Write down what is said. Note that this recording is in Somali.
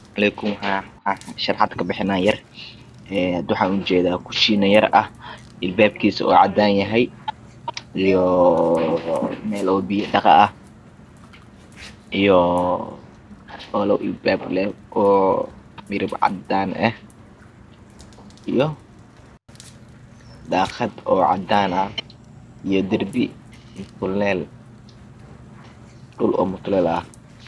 Waxan sharaxaad ka bixinaya kushiin yar albabkidu yahau cadan oo alab dhaqa laba albaab leh daqada cadan ah